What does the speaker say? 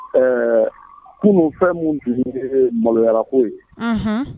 Ɛɛ kununfɛn minnu tun de ye maloyarako ye